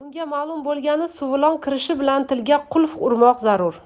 unga ma'lum bo'lgani suvilon kirishi bilan tilga qulf urmoq zarur